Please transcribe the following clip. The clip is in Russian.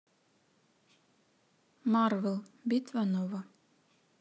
марвел битва нова